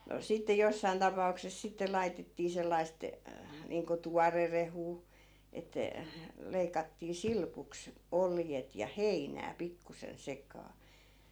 no sitten jossakin tapauksessa sitten laitettiin sellaista niin kuin tuorerehua että leikattiin silpuksi oljet ja heinää pikkuisen sekaan